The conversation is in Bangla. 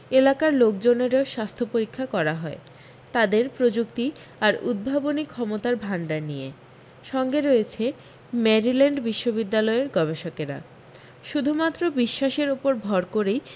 এলাকার লোকজনেরও স্বাস্থ্য পরীক্ষা করা হয় তাদের প্রযুক্তি আর উদ্ভাবনী ক্ষমতার ভান্ডার নিয়ে সঙ্গে রয়েছে মেরিল্যান্ড বিশ্ববিদ্যালয়ের গবেষকেরা শুধুমাত্র বিশ্বাসের উপর ভর করেই